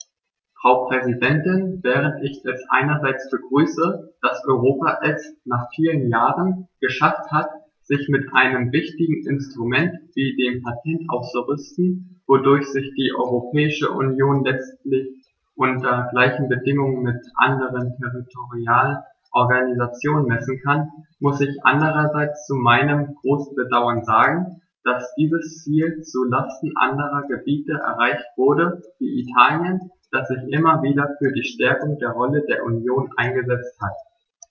Frau Präsidentin, während ich es einerseits begrüße, dass Europa es - nach vielen Jahren - geschafft hat, sich mit einem wichtigen Instrument wie dem Patent auszurüsten, wodurch sich die Europäische Union letztendlich unter gleichen Bedingungen mit anderen territorialen Organisationen messen kann, muss ich andererseits zu meinem großen Bedauern sagen, dass dieses Ziel zu Lasten anderer Gebiete erreicht wurde, wie Italien, das sich immer wieder für die Stärkung der Rolle der Union eingesetzt hat.